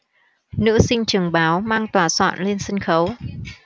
nữ sinh trường báo mang tòa soạn lên sân khấu